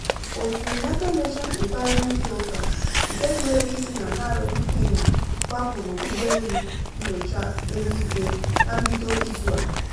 Otu United Nations Environment Programme, nke hiwere isi na Nairobi, Kenya, gbapụrụ ụgbọelu nnyocha eluigwe na mbido izu a.